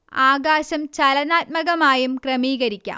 ആകാശം ചലനാത്മകമായും ക്രമീകരിക്കാം